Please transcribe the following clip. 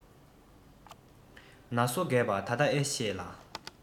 ན སོ རྒས པ ད ལྟ ཨེ ཤེས ལ